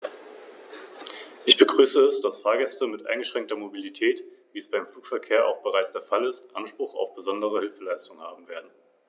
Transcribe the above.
Das EU-Patentsystem leidet allerdings unter vielen Mängeln, die die Schaffung eines einheitlichen Patentschutzes, aber auch die Entwicklung des Binnenmarktes blockieren und dadurch die Rechtssicherheit für Erfinder und innovative Unternehmen mindern.